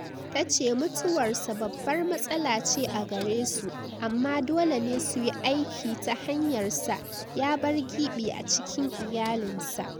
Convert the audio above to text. Ta ce mutuwarsa babbar matsala ce a gare su, amma dole ne suyi aiki ta hanyarsa: "Ya bar gibi a cikin iyalinsa”